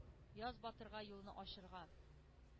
Яз батырга юлны ачырга.